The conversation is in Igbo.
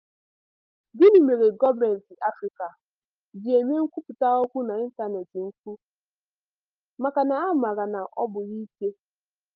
Gịnị mere gọọmentị Afrịka ji eme nkwupụta okwu n'ịntaneetị mpụ? Maka na ha mara na ọ bụ ike.